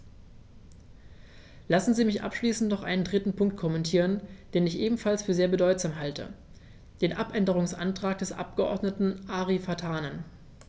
Lassen Sie mich abschließend noch einen dritten Punkt kommentieren, den ich ebenfalls für sehr bedeutsam halte: den Abänderungsantrag des Abgeordneten Ari Vatanen.